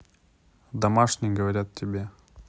домашний говорят тебе